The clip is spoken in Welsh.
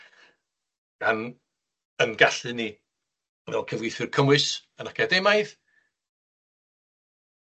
A'n a'n gallu ni fel cyfieithwyr cymwys, yn academaidd,